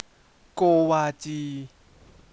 โกวาจี